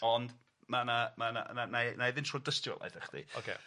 Ond ma' na ma' na 'na 'na'i na'i fynd trwy'r dystiolaeth i chdi. Ocê.